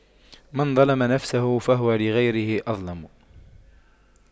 من ظَلَمَ نفسه فهو لغيره أظلم